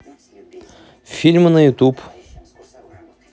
фильмы на ютуб